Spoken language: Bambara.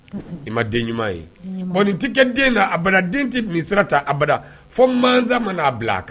I ma den tɛ den a den tɛ sera ta a fɔ mansa mana'a bila a kan